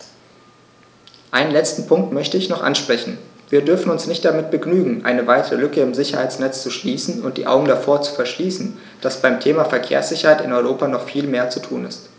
Einen letzten Punkt möchte ich noch ansprechen: Wir dürfen uns nicht damit begnügen, eine weitere Lücke im Sicherheitsnetz zu schließen und die Augen davor zu verschließen, dass beim Thema Verkehrssicherheit in Europa noch viel mehr zu tun ist.